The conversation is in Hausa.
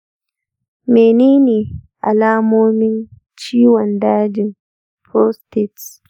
menene alamomin ciwon dajin prostate?